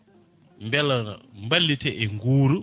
beela ballite e guuru